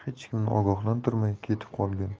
hech kimni ogohlantirmay ketib qolgan